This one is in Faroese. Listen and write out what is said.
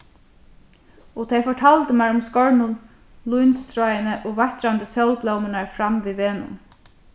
og tey fortaldu mær um skornu línstráini og veittrandi sólblómurnar fram við vegnum